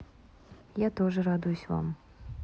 я тоже радуюсь вам